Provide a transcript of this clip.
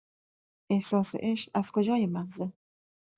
احساس عشق از کجای مغزه؟